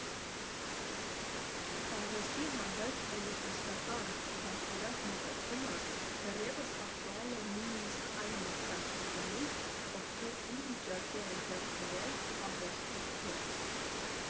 Արվեստի հանդեպ էլիտիստական, վախվորած մոտեցումը դեռևս ակտուալ է նույնիսկ այն մարդկանց շրջանում, ովքեր ի վիճակի են ձեռք բերել արվեստի գործ։